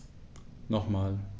Nochmal.